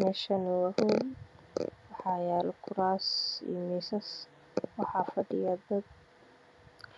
Me Shani wa hool waxa yalo kuraas iya miisas waxa fa dhi ya dad